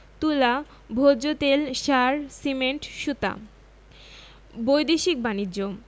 তুলা ভোজ্যতেল সার সিমেন্ট সুতা বৈদেশিক বাণিজ্যঃ